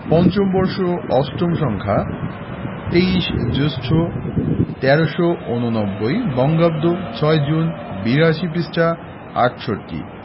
৫ম বর্ষ ৮ম সংখ্যা ২৩ জ্যৈষ্ঠ ১৩৮৯ বঙ্গাব্দ/৬ জুন৮২ পৃষ্ঠাঃ ৬৮